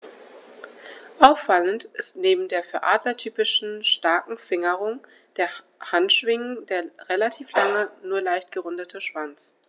Auffallend ist neben der für Adler typischen starken Fingerung der Handschwingen der relativ lange, nur leicht gerundete Schwanz.